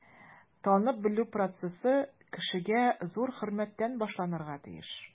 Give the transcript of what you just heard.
Танып-белү процессы кешегә зур хөрмәттән башланырга тиеш.